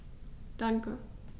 Danke.